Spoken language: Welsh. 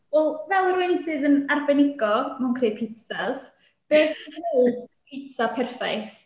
Wel, fel rywun sydd yn arbenigo mewn creu pitsas beth sy'n wneud pitsa perffaith?